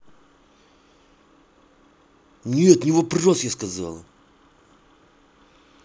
нет не вопрос я сказала